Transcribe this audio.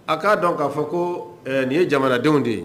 A k'a dɔn k'a fɔ ko nin ye jamanadenw de ye